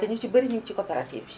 te ñu si bari ñu ngi si coopérative bi